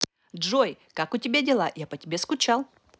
джой как у тебя дела я по тебе скучал